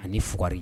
Ani ni fugri